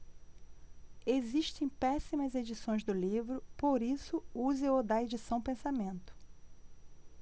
existem péssimas edições do livro por isso use o da edição pensamento